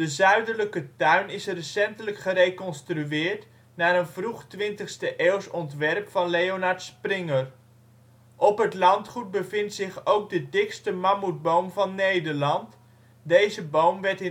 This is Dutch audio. zuidelijke tuin is recentelijk gereconstrueerd naar een vroeg-twintigste-eeuws ontwerp van Leonard Springer. Op het landgoed bevindt zich ook de dikste mammoetboom van Nederland. Deze boom werd